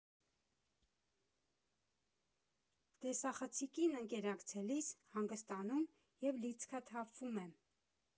Տեսախցիկին ընկերակցելիս հանգստանում և լիցքաթափվում եմ։